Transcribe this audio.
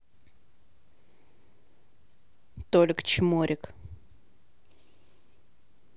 толик чморик